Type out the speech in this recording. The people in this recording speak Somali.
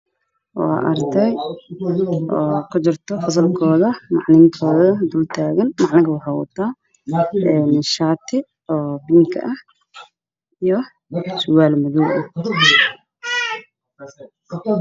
Waa ardey ku jirta fasalkoda macalinka wuxu wata shati bink ah iyo sirwal madow ah